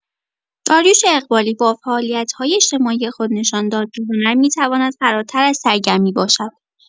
داریوش اقبالی با فعالیت‌های اجتماعی خود نشان داد که هنر می‌تواند فراتر از سرگرمی باشد.